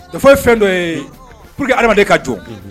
Ye fɛn dɔ ye p que adamadama ka jɔ